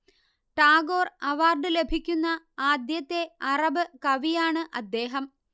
Tagore award ലഭിക്കുന്ന ആദ്യത്തെ Arab കവിയാണ് അദ്ദേഹം